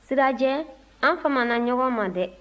sirajɛ an famana ɲɔgɔn ma dɛ